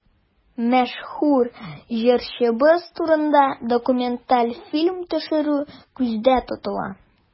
Мәшһүр җырчыбыз турында документаль фильм төшерү күздә тотыла.